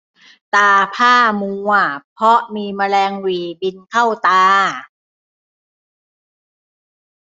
ตาพร่ามัวเพราะมีแมลงหวี่บินเข้าตา